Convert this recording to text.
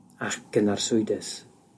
ac yn arswydus.